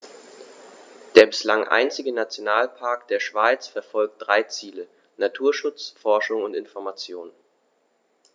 Der bislang einzige Nationalpark der Schweiz verfolgt drei Ziele: Naturschutz, Forschung und Information.